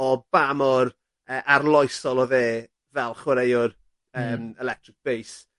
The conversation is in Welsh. o ba mor yy arloesol odd e fel chwaraewr yym... Hmm. ...electric bass.